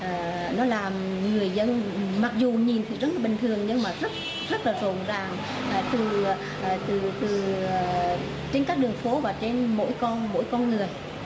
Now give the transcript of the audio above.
nó làm người dân mặc dù nhìn thì rất bình thường nhưng mà rất rất là rộn ràng từ từ trên các đường phố và trên mỗi con mỗi con người